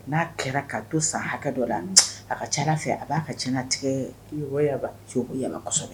N'a kɛra kaa don san hakɛ dɔ la a ka ca fɛ a b'a ka ti tigɛba cogo yasɛbɛ